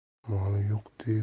moli yo'q deb erdan